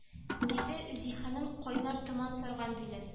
Диде зиһенен кайнар томан сарган вилен